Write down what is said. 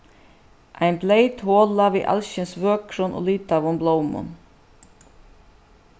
ein bleyt hola við alskyns vøkrum og litaðum blómum